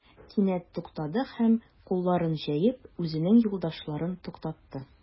Кинәт туктады һәм, кулларын җәеп, үзенең юлдашларын туктатты.